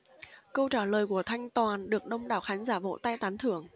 câu trả lời của thanh toàn được đông đảo khán giả vỗ tay tán thưởng